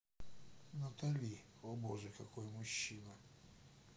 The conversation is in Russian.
натали о боже какой мужчина